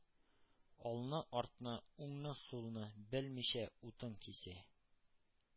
Алны-артны, уңны-сулны белмичә, утын кисә.